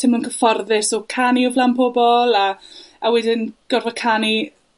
timlo'n cyfforddus o canu o flan pobol a, a wedyn gorfod canu